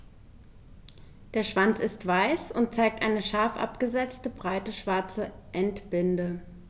Der Schwanz ist weiß und zeigt eine scharf abgesetzte, breite schwarze Endbinde.